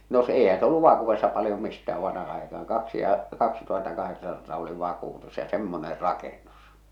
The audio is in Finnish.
no - eihän se ollut vakuudessa paljon mistään vanha aikaan kaksi ja kaksituhattakahdeksansataa oli vakuutus ja semmoinen rakennus